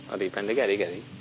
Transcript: Odi. Bendigedig eddi.